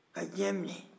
ka diɲɛ minɛ